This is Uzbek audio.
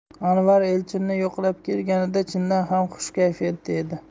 anvar elchinni yo'qlab kelganida chindan ham xush kayfiyatda edi